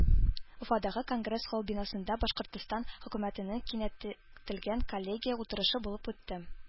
Уфадагы Конгресс-холл бинасында Башкортстан хөкүмәтенең киңәйтелгән коллегия утырышы булып үтте